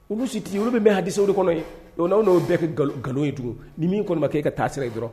Olu si tɛ, olu bɛ mɛn hadisaw de kɔnɔ yen, o n'aw n'o bɛɛ kɛ nkalon ye tugun, ni min kɔni ma kɛ e ka taasira ye dɔrɔn